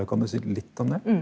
kan du si litt om det?